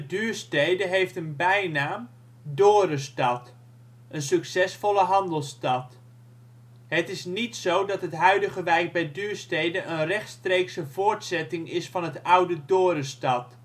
Duurstede heeft een bijnaam: " Dorestad " (een succesvolle handelsstad). Het is niet zo dat het huidige Wijk bij Duurstede een rechtstreekse voortzetting is van het oude Dorestad